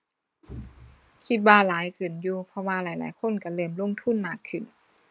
คิดว่าหลายขึ้นอยู่ เพราะว่าหลายหลายคนก็เริ่มลงทุนมากขึ้น